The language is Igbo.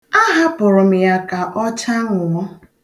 A hapụrụ m ya ka ọ chaṅụọ.